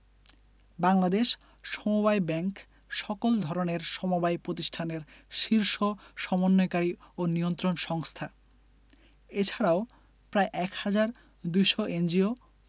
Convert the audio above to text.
বাংলাদেশ সমবায় ব্যাংক সকল ধরনের সমবায় প্রতিষ্ঠানের শীর্ষ সমন্বয়কারী ও নিয়ন্ত্রণ সংস্থা এছাড়াও প্রায় ১ হাজার ২০০ এনজিও